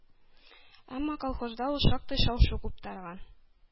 Әмма колхозда ул шактый шау-шу куптарган.